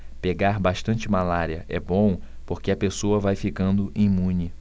pegar bastante malária é bom porque a pessoa vai ficando imune